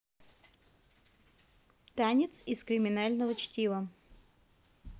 танец из криминального чтива